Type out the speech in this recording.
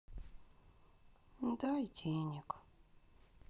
дай денег